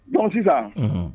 Jɔn sisan